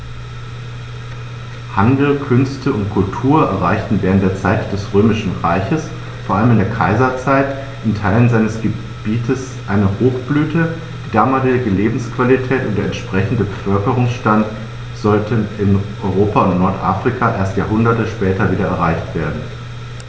Handel, Künste und Kultur erreichten während der Zeit des Römischen Reiches, vor allem in der Kaiserzeit, in Teilen seines Gebietes eine Hochblüte, die damalige Lebensqualität und der entsprechende Bevölkerungsstand sollten in Europa und Nordafrika erst Jahrhunderte später wieder erreicht werden.